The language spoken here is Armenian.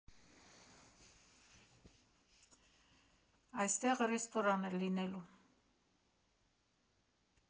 Այստեղ ռեստորան է լինելու։